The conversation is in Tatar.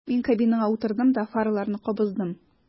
Мин кабинага утырдым да фараларны кабыздым.